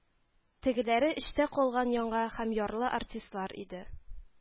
«тегеләре эчтә калган яңа һәм ярлы артистлар иде